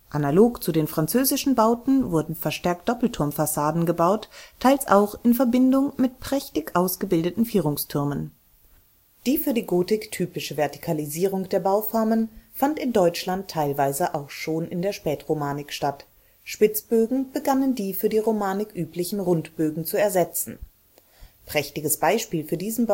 Analog zu den französischen Bauten wurden verstärkt Doppelturmfassaden gebaut, teils auch in Verbindung mit prächtig ausgebildeten Vierungstürmen. Die für die Gotik typische Vertikalisierung der Bauformen fand in Deutschland teilweise auch schon in der Spätromanik statt, Spitzbögen begannen die für die Romanik üblichen Rundbögen zu ersetzen. Prächtiges Beispiel für diesen